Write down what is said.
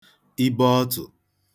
ibeọtụ̀